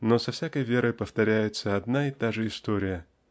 но со всякой верой повторяется одна и та же история